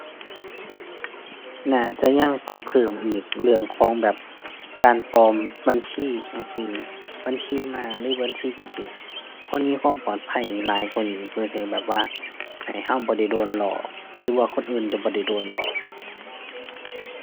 น่าจะยังต้องเพิ่มอีก เรื่องของแบบการปลอมบัญชีจั่งซี้ บัญชีม้าหรือบัญชีจั่งซี้ ควรมีความปลอดภัยหลายกว่านี้ เพื่อที่ให้แบบว่า ให้เราบ่ได้โดนหลอก หรือว่าคนอื่นจะบ่ได้โดนหลอก